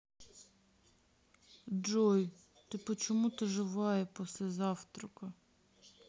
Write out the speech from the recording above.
джой ты почему то живая после завтрака